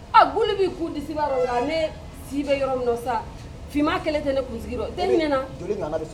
Ɔ! Gunni bɛ kun disiba la, nka ne si bɛ yɔrɔ min na sa, fima 1 tɛ ne kunsigi la. I tɛ hinɛ n na. Joli ɲɔgɔnna bɛ sɔrɔ?